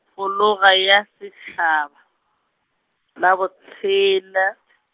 fologa ya setšhaba, la bo tshela.